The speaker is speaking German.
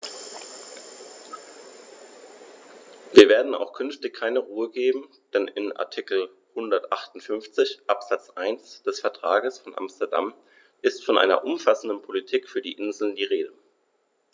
Wir werden auch künftig keine Ruhe geben, denn in Artikel 158 Absatz 1 des Vertrages von Amsterdam ist von einer umfassenden Politik für die Inseln die Rede.